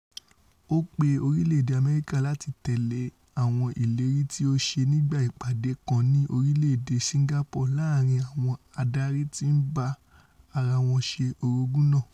Ó pe orílẹ̀-èdè Àmẹ́ríkà láti tẹ̀lé àwọn ìlérí tí ó ṣe nígbà ìpàdé kan ní orílẹ̀-èdè Singapore láàrin àwọn adarí tí ńbá ara wọn ṣe orogún náà.